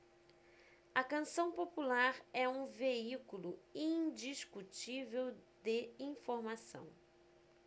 a canção popular é um veículo indiscutível de informação